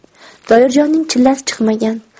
toyirjonning chillasi chiqmagan